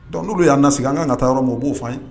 Dɔnku n oluolu y'a na sigi an ka kan ka taa yɔrɔ ma u b'o fɔ ye